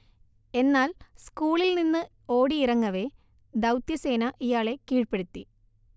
എന്നാൽ, സ്കൂളിൽനിന്ന് ഓടിയിറങ്ങവെ, ദൗത്യസേന ഇയാളെ കീഴ്പ്പെടുത്തി